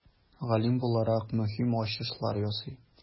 Галим буларак, мөһим ачышлар ясый.